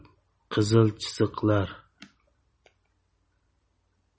qizil chiziqlar